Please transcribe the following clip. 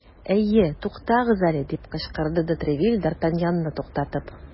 Әйе, тукагыз әле! - дип кычкырды де Тревиль, д ’ Артаньянны туктатып.